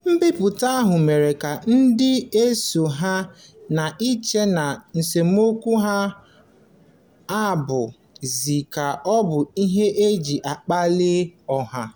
Mbipụta ahụ mere ka ndị na-eso ha na-eche ma esemokwu ahụ abụ ezịa ka ọ bụ ihe e ji akpali ọha: